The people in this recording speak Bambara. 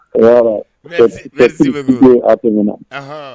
Sifin ye a tun min na